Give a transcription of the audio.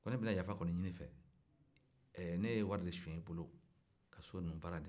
ne kɔni bɛna yafa ee ne ye wari de sonya i bolo ka so in baara